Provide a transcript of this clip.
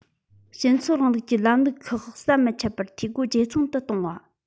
སྤྱི ཚོགས རིང ལུགས ཀྱི ལམ ལུགས ཁག ཟམ མི འཆད པར འཐུས སྒོ ཇེ ཚང དུ གཏོང བ